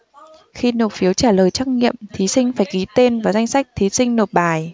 khi nộp phiếu trả lời trắc nghiệm thí sinh phải ký tên vào danh sách thí sinh nộp bài